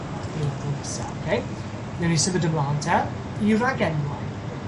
eiliade nesa. Oce. Newn ni symud ymlan 'te i ragenwau.